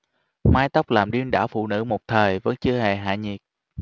mái tóc làm điên đảo phụ nữ một thời vẫn chưa hề hạ nhiệt